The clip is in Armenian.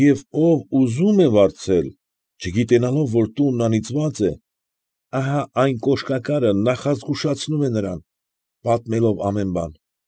Եվ ով ուզում է վարձել, չգիտենալով, որ տունն անիծված է, ահա այն կոշկակարը նախազգուշացնում է նրան, պատմելով ամեն բան։